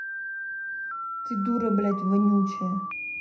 ты дура блядь вонючая